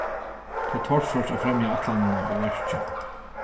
tað er torført at fremja ætlanina í verki